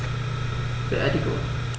Beerdigung